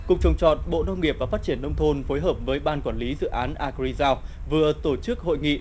cục trồng trọt bộ nông nghiệp và phát triển nông thôn phối hợp với ban quản lý dự án a gờ ri rao vừa tổ chức hội nghị